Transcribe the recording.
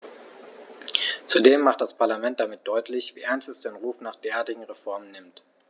Zudem macht das Parlament damit deutlich, wie ernst es den Ruf nach derartigen Reformen nimmt.